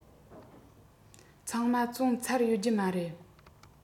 ཚང མ བཙོང ཚར ཡོད རྒྱུ མ རེད